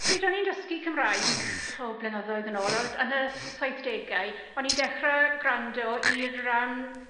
Pryd o'n i'n dysgu Cymraeg o, blynyddoedd yn ôl o- yd yn y saithdegau o'n i'n dechre grando i'r yym